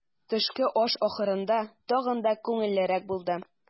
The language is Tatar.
Төшке аш ахырында тагы да күңеллерәк булды.